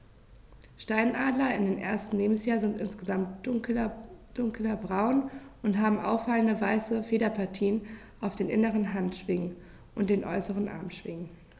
Steinadler im ersten Lebensjahr sind insgesamt dunkler braun und haben auffallende, weiße Federpartien auf den inneren Handschwingen und den äußeren Armschwingen.